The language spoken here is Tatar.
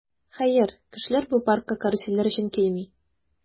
Хәер, кешеләр бу паркка карусельләр өчен килми.